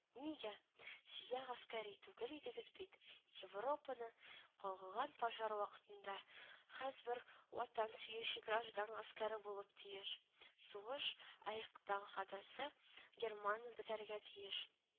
Нигә. Сея гаскәри түгел идегез бит. Европаны калгыган пожар вакытында һәзбер ватан сөюче граждан гаскәрэ булып тиеш. Сугыш аэкдаһадасы Герман бетәргә тиеш